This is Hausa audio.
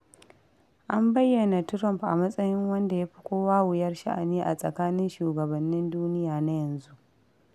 An bayyana Trump a matsayin 'wanda ya fi kowa wuyar sha'ani a tsakanin shugabannin duniya na yanzu'.